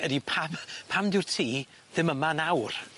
...ydi pam pam dyw'r tŷ ddim yma nawr?